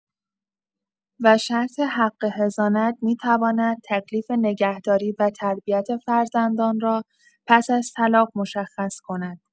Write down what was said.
و شرط حق حضانت می‌تواند تکلیف نگهداری و تربیت فرزندان را پس از طلاق مشخص کند.